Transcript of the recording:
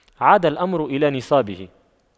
عاد الأمر إلى نصابه